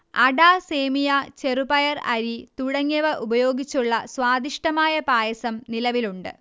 അട സേമിയ ചെറുപയർ അരി തുടങ്ങിയവ ഉപയോഗിച്ചുള്ള സ്വാദിഷ്ഠമായ പായസം നിലവിലുണ്ട്